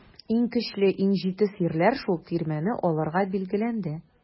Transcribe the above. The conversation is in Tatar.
Иң көчле, иң җитез ирләр шул тирмәне алырга билгеләнде.